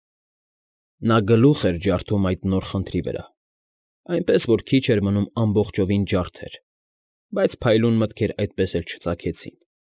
Նա գլուխ էր ջարդում այդ նոր խնդրի վրա, այնպես, որ քիչ էր մնում ամբողջովին ջարդեր, բայց փայլուն մտքեր այդպես էլ չծագեցին։